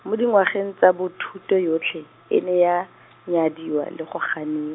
mo dingwageng tsa bo thuto yotlhe, e ne ya , nyadiwa le go gani-.